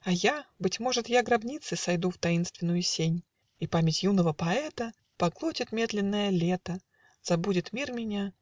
А я, быть может, я гробницы Сойду в таинственную сень, И память юного поэта Поглотит медленная Лета, Забудет мир меня